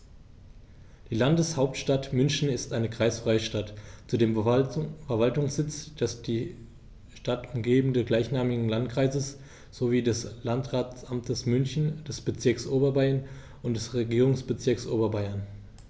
Die Landeshauptstadt München ist eine kreisfreie Stadt, zudem Verwaltungssitz des die Stadt umgebenden gleichnamigen Landkreises sowie des Landratsamtes München, des Bezirks Oberbayern und des Regierungsbezirks Oberbayern.